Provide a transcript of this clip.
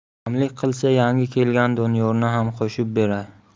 kamlik qilsa yangi kelgan doniyorni ham qo'shib beray